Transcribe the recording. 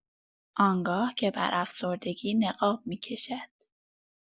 آنگاه که بر افسردگی نقاب می‌کشد.